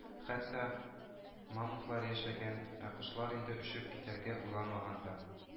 Хәтта мамонтлар яшәгән, ә кошлар инде очып китәргә уйламаган да